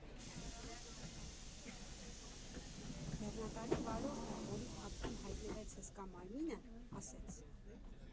Բեռնատարի վարորդը, որի թափքում հայնվեց հսկա մարմինը, ասեց.